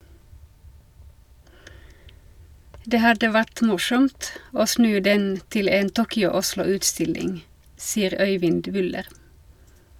Det hadde vært morsomt å snu den til en "Tokyo-Oslo-utstilling" , sier Øyvind Wyller.